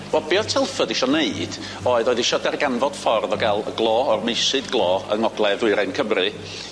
Wel be' oedd Telford isio neud oedd o isio darganfod ffordd o gael y glo o'r meysydd glo yng ngogledd ddwyrain Cymru